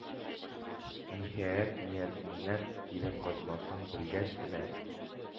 Ниһаять, ниятеннән кире кайтмасын белгәч кенә,